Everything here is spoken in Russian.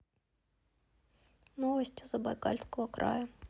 новости забайкальского края